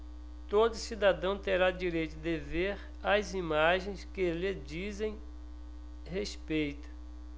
todo cidadão terá direito de ver as imagens que lhe dizem respeito